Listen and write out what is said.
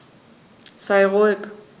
Sei ruhig.